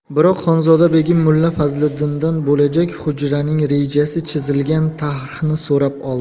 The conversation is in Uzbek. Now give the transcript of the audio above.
biroq xonzoda begim mulla fazliddindan bo'lajak hujraning rejasi chizilgan tarhni so'rab oldi